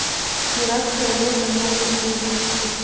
пиратское лего новые серии